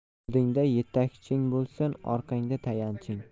oldingda yetakching bo'lsin orqangda tayanching